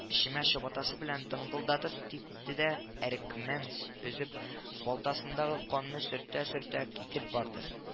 Эчемә чабатасы белән дыңгылдатып типте дә, әрекмән өзеп балтасындагы канны сөртә-сөртә китеп барды. к